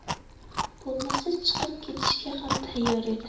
bo'lmasa chiqib ketishga ham tayyor edi